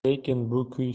lekin bu kuy